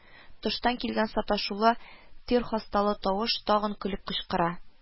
Тыштан килгән саташулы, тир хасталы тавыш тагын көлеп кычкыра: